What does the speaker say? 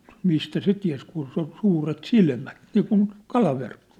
mistä se tiesi kun - suuret silmät niin kuin kalaverkko